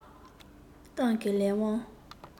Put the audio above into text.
ཏང གི ལས དབང